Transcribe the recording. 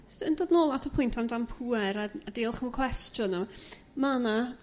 J's' yn dod nôl at y pwynt am dan pŵer a diolch am y cwestiwn yma. Ma' 'na